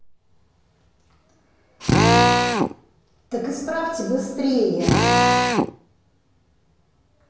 так исправляй быстрее